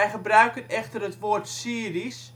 gebruiken echter het woord Syrisch